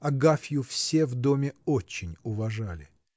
Агафью все в доме очень уважали